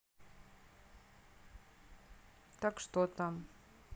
так что там